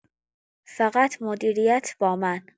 فقط مدیریت با من.